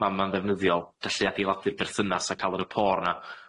Ma' ma'n ddefnyddiol gallu adeiladu'r berthynas, a ca'l yr y rapport 'na.